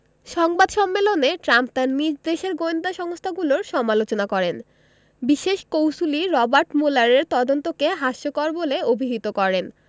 সংবাদ সম্মেলনে ট্রাম্প তাঁর নিজ দেশের গোয়েন্দা সংস্থাগুলোর সমালোচনা করেন বিশেষ কৌঁসুলি রবার্ট ম্যুলারের তদন্তকে হাস্যকর বলে অভিহিত করেন